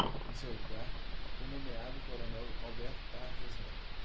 em seu lugar foi nomeado o coronel alberto tarjas neto